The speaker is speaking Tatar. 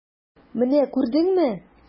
Менә күрдеңме?